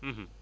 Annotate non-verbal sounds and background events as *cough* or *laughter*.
*hesitation* *hesitation*